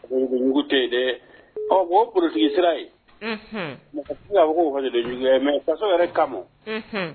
Ugu tɛ yen dɛ o porotigi sira yen ko mɛ faso yɛrɛ kama